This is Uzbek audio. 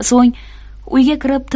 so'ng uyga kirib